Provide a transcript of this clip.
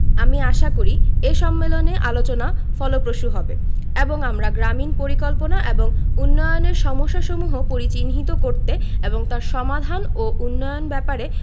আমি আশা করি এ সম্মেলনে আলোচনা ফলপ্রসূ হবে এবং আমরা গ্রামীন পরিকল্পনা এবং উন্নয়নের সমস্যাসমূহ পরিচিহ্নিত করতে এবং তার সমাধান ও উন্নয়ন ব্যাপারে